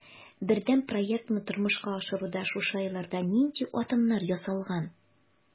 Бердәм проектны тормышка ашыруда шушы айларда нинди адымнар ясалган?